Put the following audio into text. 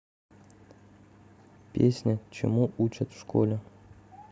песня чему учат в школе